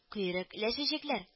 Койрык әләшәчәкләр